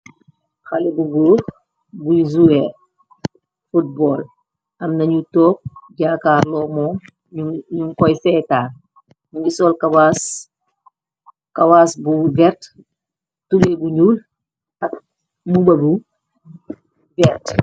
Xale bu góor buy zuer football, am nañu toog jaakaarloo mum ñu koy seetaal, ningi sool kawaas, kawas bu vert, tubey bu ñuul ak mbabu bu vert.